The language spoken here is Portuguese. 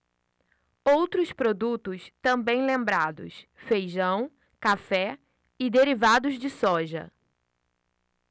outros produtos também lembrados feijão café e derivados de soja